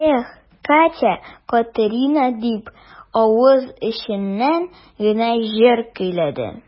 Эх, Катя-Катерина дип, авыз эченнән генә җыр көйләде.